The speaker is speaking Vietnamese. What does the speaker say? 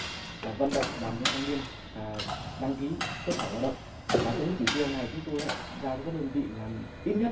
và vận động đoàn viên thanh niên à đăng ký xuất khẩu lao động và trong các chỉ tiêu này chúng tôi á giao cho các đơn vị làm ít nhất